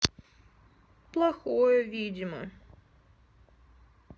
плохое видимо